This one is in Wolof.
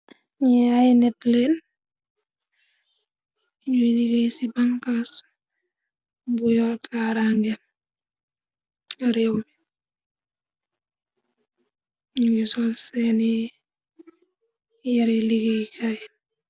Nyi ay net leen ñuy liggéey ci bankas bu yorkaarange réew mi ñui sol seeni yari liggéey kaay.